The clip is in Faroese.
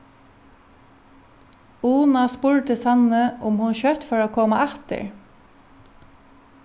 una spurdi sannu um hon skjótt fór at koma aftur